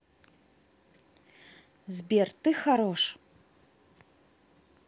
сбер ты хорош